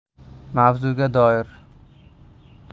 mavzuga doir